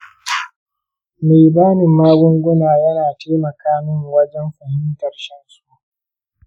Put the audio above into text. mai bani magunguna yana taimaka min wajan fahimtar shan su.